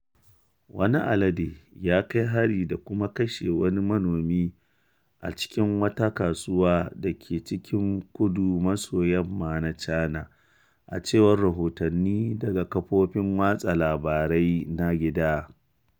Wani alade ya kai hari da kuma kashe wani manomi a cikin wata kasuwa da ke cikin kudu-maso-yamma na China, a cewar rahotanni daga kafofin watsa labarai na gida.